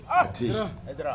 Aa tɛ